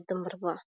io bahal yar